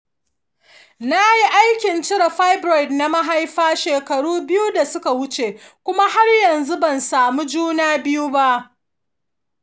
na yi aikin cire fibroid na mahaifa shekaru biyu da suka wuce kuma har yanzu ban samu juna biyu ba.